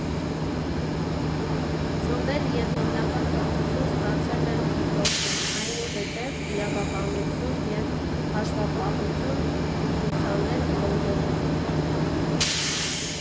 Ծնվել և հիմնական կրթություն ստացել եմ Կիպրոսում, այնուհետև իրավաբանություն և հաշվապահություն ուսուցանել Լոնդոնում։